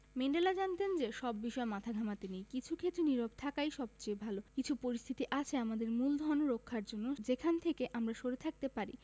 Mandela জানতেন যে সব বিষয়ে মাথা ঘামাতে নেই কিছু ক্ষেত্রে নীরব থাকাই সবচেয়ে ভালো কিছু পরিস্থিতি আছে আমাদের মূলধন রক্ষার জন্য যেখান থেকে আমরা সরে থাকতে পারি